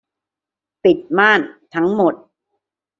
ปิดม่านทั้งหมด